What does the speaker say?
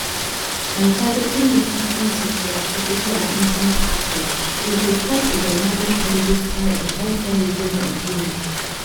By targeting the cities with electricity and internet access, we could start a dynamic blogosphere in all four regions of Guinea.